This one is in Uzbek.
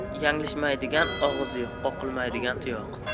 yanglishmaydigan og'iz yo'q qoqilmaydigan tuyoq